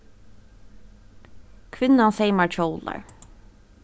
kvinnan seymar kjólar